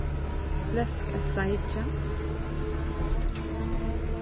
flesk at steikja